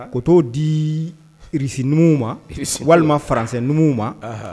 A ko t'o di irisi numuw ma walima faransɛ numuw ma